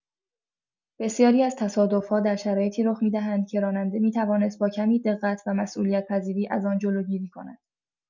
بسیاری از تصادف‌ها در شرایطی رخ می‌دهند که راننده می‌توانست با کمی دقت و مسئولیت‌پذیری از آن جلوگیری کند.